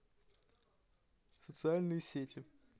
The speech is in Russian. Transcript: социальные сети